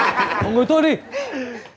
mọi người thôi đi em